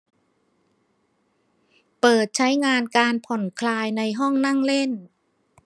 เปิดใช้งานการผ่อนคลายในห้องนั่งเล่น